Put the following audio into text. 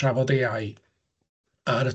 trafod Ay I ar y...